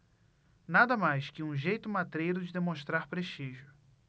nada mais que um jeito matreiro de demonstrar prestígio